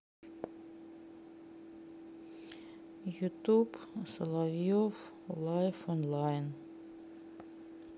ютуб соловьев лайв онлайн